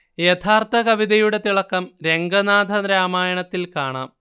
യഥാർഥ കവിതയുടെ തിളക്കം രംഗനാഥ രാമായണത്തിൽ കാണാം